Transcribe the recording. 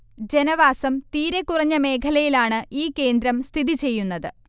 ജനവാസം തീരെക്കുറഞ്ഞ മേഖലയിലാണ് ഈ കേന്ദ്രം സ്ഥിതി ചെയ്യുന്നത്